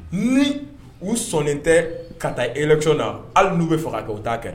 Ni u sɔnɔni tɛ ka taa erec na hali n'u bɛ faga kɛ u taa kɛ